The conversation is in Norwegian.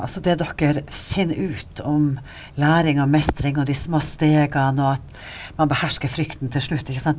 altså det dere finner ut om læring og mestring og de små stegene og at man behersker frykten til slutt ikke sant.